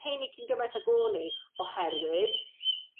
heini cyn gyment ag o'n i oherwydd